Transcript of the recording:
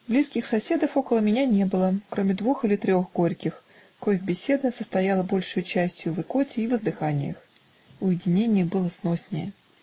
Близких соседей около меня не было, кроме двух или трех горьких, коих беседа состояла большею частию в икоте и воздыханиях. Уединение было сноснее.